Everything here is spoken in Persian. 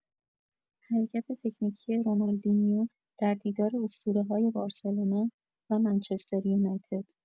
حرکت تکنیکی رونالدینیو در دیدار اسطوره‌های بارسلونا و منچستریونایتد